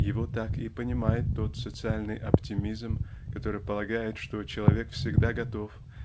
Его так и понимает тот социальный оптимизм который полагает что человек всегда готов